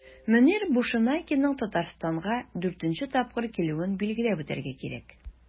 Мөнир Бушенакиның Татарстанга 4 нче тапкыр килүен билгеләп үтәргә кирәк.